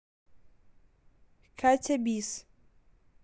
катя бис